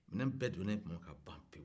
minɛnw bɛɛ don ko tumamin ka ban pewu